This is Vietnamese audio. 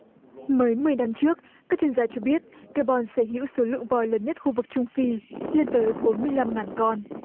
mới mười năm trước các chuyên gia cho biết ca bon sở hữu số lượng voi lớn nhất khu vực trung phi lên tới bốn mươi lăm ngàn con